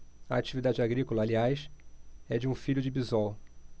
a atividade agrícola aliás é de um filho de bisol